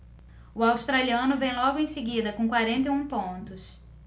o australiano vem logo em seguida com quarenta e um pontos